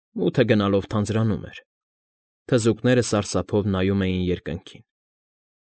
Մութը գնալով թանձրանում էր։ Թզուկները սրասափով նայում էին երկնքին։